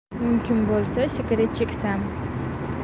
mumkin bo'lsa sigaret cheksam